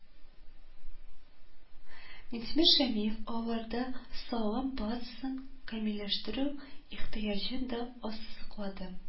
Минтимер Шәймиев, авылларда салым базасын камилләштерү ихтыяҗын да ассызыклады